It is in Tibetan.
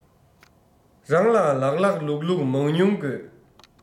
རང ལ ལགས ལགས ལུགས ལུགས མང ཉུང དགོས